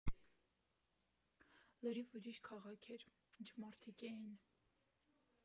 Լրիվ ուրիշ քաղաք էր, ինչ մարդիկ էին»։